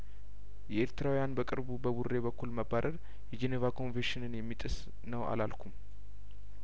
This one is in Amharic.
የኤርትራውያን በቅርቡ በቡሬ በኩል መባረር የጄኔቫ ኮንቬንሽንን የሚጥስ ነው አላልኩም